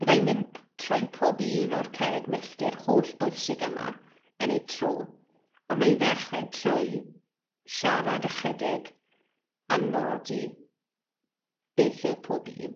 Byddai'n myn' p- trwy pob un o'r cerrig milltir hollbwysig yma yn eu tro on' wnai ddechrau trwy siarad ychydig a nodi beth yw pob un.